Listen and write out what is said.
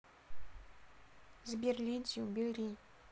сбер лидии убери